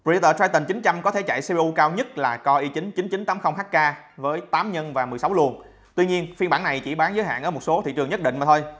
predator triton có thể chạy cpu cao nhất là core i hk với nhân luồng tuy nhiên phiên bản này sẽ chỉ bán giới hạn ở một số thị trường nhất định